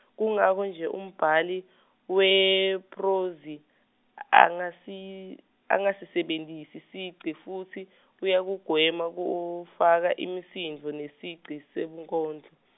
kungako nje umbhali, wephrozi, a- anagasi- angasisebentisi sigci futsi, uyakugwema kufaka imisindvo nesigci sebunkondlo.